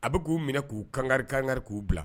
A bɛ k'u minɛ k'u kan kangari k'u bila